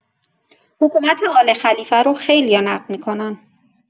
حکومت آل‌خلیفه رو خیلی‌ها نقد می‌کنن.